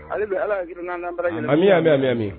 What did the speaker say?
Ali bi allah ka an bɛɛ lajɛlen, amina, amina.